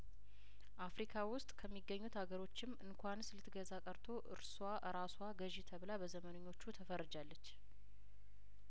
አፍሪካ ውስጥ ከሚገኙት አገሮችም እንኳንስ ልትገዛ ቀርቶ እርሷ እራሷ ገዢ ተብላ በዘመነኞቹ ተፈርጃለች